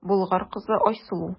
Болгар кызы Айсылу.